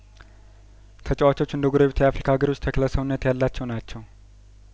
ተጨዋቾቹ እንደጐረቤት የአፍሪካ ሀገሮች ተክለሰውነት ያላቸው ናቸው